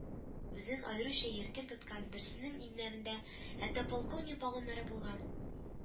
Үзен аеруча иркен тоткан берсенең иңнәрендә хәтта полковник погоннары булган